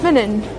Menyn.